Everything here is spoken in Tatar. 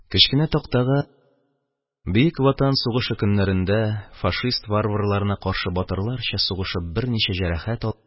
Кечкенә тактага: «Бөек Ватан сугышы көннәрендә, фашист варварларына каршы батырларча сугышып берничә җәрәхәт алган,